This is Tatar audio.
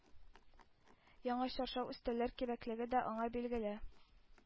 Яңа чаршау, өстәлләр кирәклеге дә аңа билгеле.